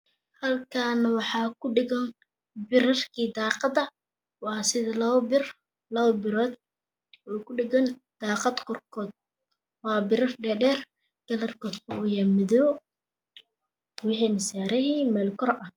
Halkan waxaa kudhegan birah daqda oo dheer kalar kode waa madow